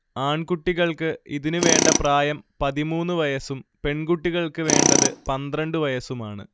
ആൺകുട്ടികൾക്ക് ഇതിന് വേണ്ട പ്രായം പതിമൂന്ന് വയസ്സും പെൺകുട്ടികൾക്കു വേണ്ടത് പന്ത്രണ്ട് വയസ്സുമാണ്